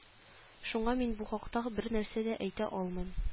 Шуңа мин бу хакта бернәрсә әйтә алмыйм